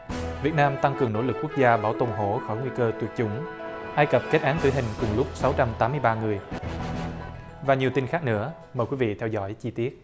việt nam tăng cường nỗ lực quốc gia bảo tồn hổ khỏi nguy cơ tuyệt chủng ai cập kết án tử hình cùng lúc sáu trăm tám mươi ba người và nhiều tên khác nữa mời quý vị theo dõi chi tiết